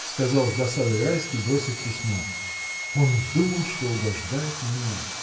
— сказал с досадой Райский, бросив письмо, — он думал, что угождает мне.